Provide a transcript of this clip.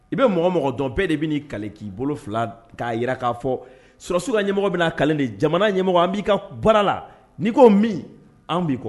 I bɛ mɔgɔ mɔgɔ dɔn bɛɛ de bɛ kalile k'i bolo fila k'a jira k'a fɔ susiw ka ɲɛmɔgɔ bɛ kali jamana ɲɛmɔgɔ an b'i ka baara la n'i ko min an b'i kɔ